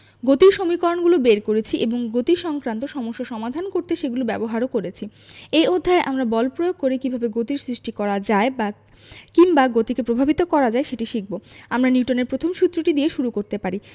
গতির সমীকরণগুলো বের করেছি এবং গতিসংক্রান্ত সমস্যা সমাধান করতে সেগুলো ব্যবহারও করেছি এই অধ্যায়ে আমরা বল প্রয়োগ করে কীভাবে গতির সৃষ্টি করা যায় বা কিংবা গতিকে প্রভাবিত করা যায় সেটি শিখব আমরা নিউটনের প্রথম সূত্রটি দিয়ে শুরু করতে পারি